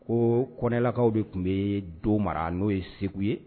Ko kɔnɛlakaw de tun bɛ don mara n'o ye segu ye